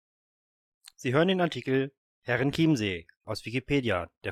Sie hören den Artikel Herreninsel, aus Wikipedia, der freien Enzyklopädie